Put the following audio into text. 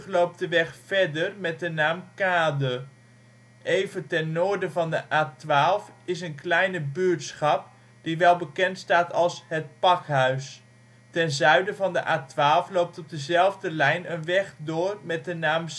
loopt de weg verder met de naam Kade. Even ten noorden van de A12 is een kleine buurtschap die wel bekend staat als Het Pakhuis. Ten zuiden van de A12 loopt op dezelfde lijn een weg door met de naam